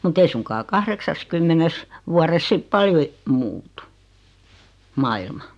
mutta ei suinkaan kahdeksassakymmenessä vuodessa sitten paljon - muutu maailma